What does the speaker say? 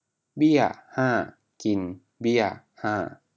เบี้ยห้ากินเบี้ยห้า